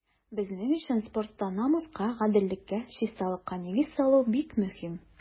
Безнең өчен спортта намуска, гаделлеккә, чисталыкка нигез салу бик мөһим.